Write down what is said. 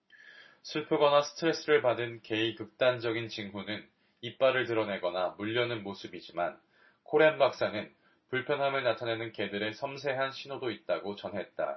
슬프거나 스트레스를 받은 개의 극단적인 징후는 이빨을 드러내거나 물려는 모습이지만 코렌 박사는 불편함을 나타내는 개들의 섬세한 신호도 있다고 전했다